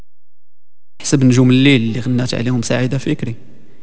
احسب نجوم الليل لي الناس عليهم سعيده فكري